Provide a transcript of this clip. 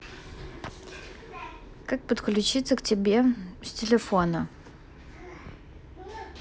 как подключиться к тебе с телефона